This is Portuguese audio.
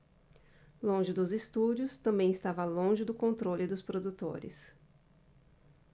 longe dos estúdios também estava longe do controle dos produtores